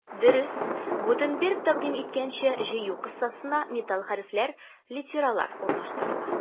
Дөрес, Гутенберг тәкъдим иткәнчә, җыю кассасына металл хәрефләр — литералар урнаштырыла.